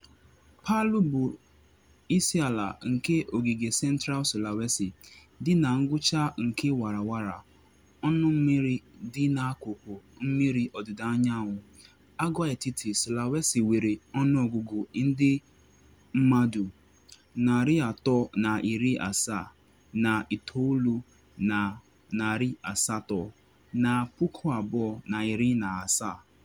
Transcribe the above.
Palụ bụ isi ala nke ogige Central Sulawesi, dị na ngwụcha nke warawara ọnụ mmiri dị na akụkụ mmiri ọdịda anyanwụ agwaetiti Sulawesi, nwere ọnụọgụgụ ndị mmadụ 379,800 na 2017.